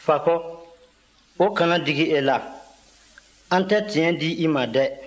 fako o kana digi e la an tɛ tiɲɛ di i ma dɛ